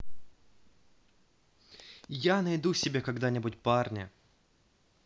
я найду себе когда нибудь парня